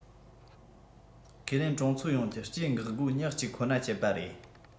ཁས ལེན གྲོང ཚོ ཡོངས ཀྱི སྤྱིའི འགག སྒོ ཉག གཅིག ཁོ ན སྤྱད པ རེད